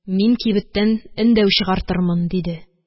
Мин кибеттән эндәү чыгартырмын, – диде